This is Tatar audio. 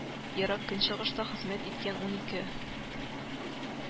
Ерак Көнчыгышта хезмәт иткән унике